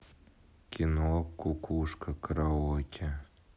кино кукушка караоке